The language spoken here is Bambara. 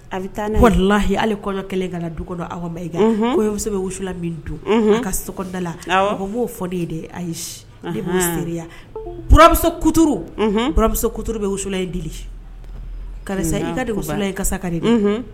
A bɛ taalahi hali kɔɲɔɔn ka la du dɔ awbayi kɛ ko bɛ wusula dun ka sodala a b'o fɔ de de ayi seyauramuso kuturamuso kutu bɛ wusuulala ye di karisa i ka desula kaka dɛ